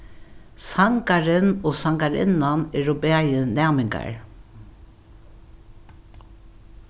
sangarin og sangarinnan eru bæði næmingar